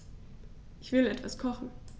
Ich will etwas kochen.